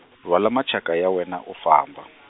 rhwala macaka- ya wena u famba .